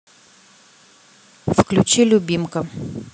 включи любимка